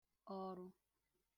ọrụ